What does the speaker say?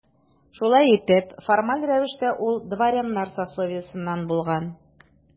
Шулай итеп, формаль рәвештә ул дворяннар сословиесеннән булган.